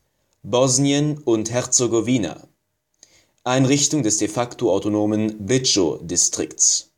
Bosnien und Herzegowina: Einrichtung des de facto autonomen Brčko-Distrikts